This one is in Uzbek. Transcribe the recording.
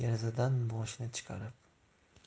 joyida derazadan boshini chiqarib